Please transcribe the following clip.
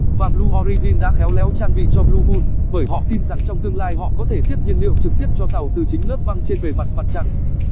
và blue origin đã khéo léo trang bị cho blue moon bởi họ tin rằng trong tương lai họ có thể tiếp nhiên liệu trực tiếp cho tàu từ chính lớp băng trên bề mặt mặt trăng